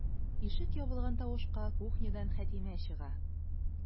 Ишек ябылган тавышка кухнядан Хәтимә чыга.